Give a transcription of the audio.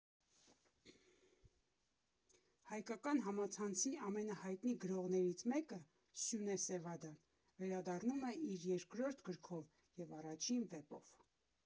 Հայկական համացանցի ամենահայտնի գրողներից մեկը՝ Սյունե Սևադան, վերադառնում է իր երկրորդ գրքով և առաջին վեպով։